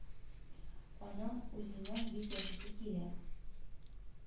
Аның үзенең бик яшисе килә